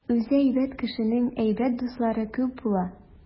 Үзе әйбәт кешенең әйбәт дуслары күп була.